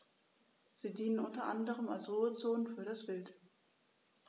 Sie dienen unter anderem als Ruhezonen für das Wild.